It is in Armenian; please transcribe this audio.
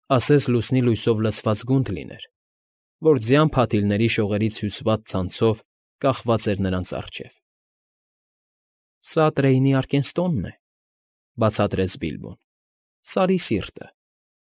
Ասես լուսնի լույսով լցված գունդ լիներ, որ ձյան փաթիլների շողերից հյուսված ցանցով կախված էր նրանց առջև։ ֊ Սա Տրեյնի Արկենստոնն է,֊ բացատրեց Բիլբոն։֊ Սարի Սիրտը։